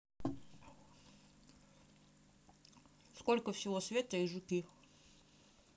сколько всего света и жуки